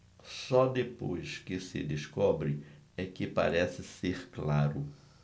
só depois que se descobre é que parece ser claro